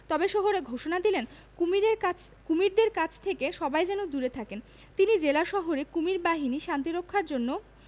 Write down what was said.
তবে শহরে ঘোষণা দিয়ে দিলেন কুমীরের কাছ কুমীরদের কাছ থেকে সবাই যেন দূরে থাকেন তিনি জেলা শহরে কুমীর বাহিনী শান্তি রক্ষার জন্য